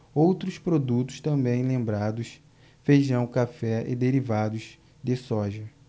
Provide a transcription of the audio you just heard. outros produtos também lembrados feijão café e derivados de soja